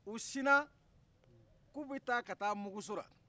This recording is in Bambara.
u sinna k'u bi taa ka taa munguso la